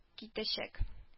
Китәчәк